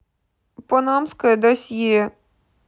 панамское досье